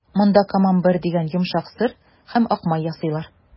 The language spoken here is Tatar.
Монда «Камамбер» дигән йомшак сыр һәм ак май ясыйлар.